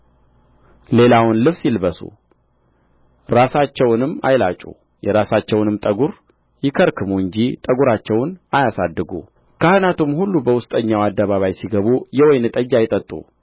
ሌላውን ልብስ ይልበሱ ራሳቸውንም አይላጩ የራሳቸውንም ጠጕር ይከርከሙ እንጂ ጠጕራቸውን አያሳድጉ ካህናቱም ሁሉ በውስጠኛው አደባባይ ሲገቡ የወይን ጠጅ አይጠጡ